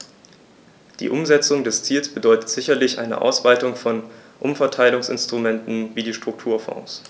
Die Umsetzung dieses Ziels bedeutet sicherlich eine Ausweitung von Umverteilungsinstrumenten wie die Strukturfonds.